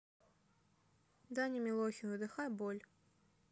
даня милохин выдыхаю боль